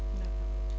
d' accord